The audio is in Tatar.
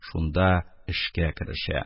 Шунда эшкә керешә.